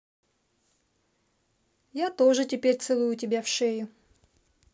я тоже теперь целую тебя в шею